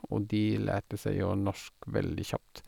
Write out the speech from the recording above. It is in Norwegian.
Og de lærte seg jo norsk veldig kjapt.